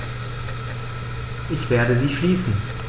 Ich werde sie schließen.